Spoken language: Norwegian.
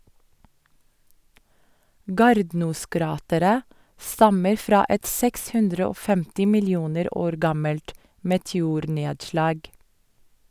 Gardnoskrateret stammer fra et 650 millioner år gammelt meteornedslag.